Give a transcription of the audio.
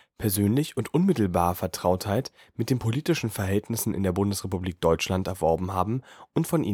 persönlich und unmittelbar Vertrautheit mit den politischen Verhältnissen in der Bundesrepublik Deutschland erworben haben und von